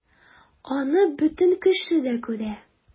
Аны бөтен кеше дә күрә...